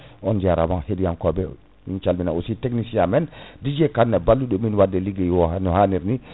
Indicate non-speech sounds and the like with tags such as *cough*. *breath* on jaarama heɗiyankoɓe min calmina aussi technicien amen *breath* Dj Kane balluɗo min wadde ligguey o no hanniri ni